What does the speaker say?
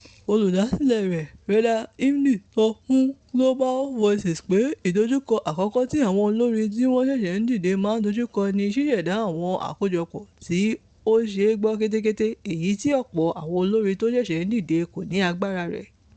Olùdásílẹ̀ rẹ̀, Reda Hmidi, sọ fún Global Voices pé “ìdojúko àkọ́kọ́ tí àwọn olórin tí wọ́n ṣẹ̀ṣẹ̀ ń dìdè máa ń kojú ni ṣíṣẹ̀dá àwọn àkójọ̀pọ̀ tí ó ṣeé gbọ́ kétékété, èyí ti ọ̀pọ̀ àwọn olórin tí wọ́n ṣẹ̀ṣẹ̀ ń dìdè kò ní agbára rẹ̀”